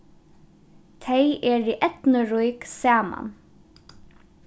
tey eru eydnurík saman